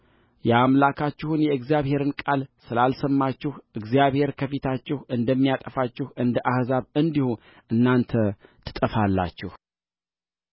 የአምላካችሁን የእግዚአብሔርን ቃል ስላልሰማችሁ እግዚአብሔር ከፊታችሁ እንደሚያጠፋቸው እንደ አሕዛብ እንዲሁ እናንተ ትጠፋላችሁ